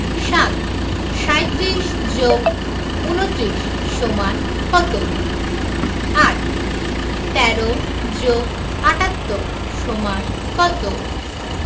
৭ ৩৭ + ২৯ = কত ৮ ১৩ + ৭৮ = কত